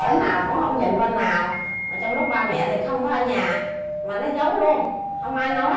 bên nào cũng không nhịn bên nào mà trong lúc ba mẹ thì không có ở nhà mà nó giấu luôn không ai nói